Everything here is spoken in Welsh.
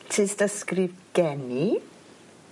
Tystysgrif geni